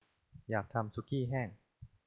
อยากทำสุกี้แห้ง